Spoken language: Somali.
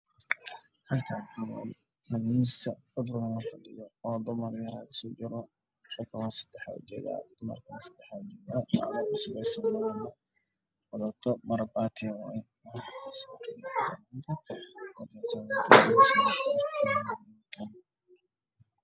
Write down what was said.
Waa maamo wadato xijaab cagaar